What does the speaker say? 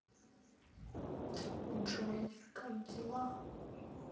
джой как дела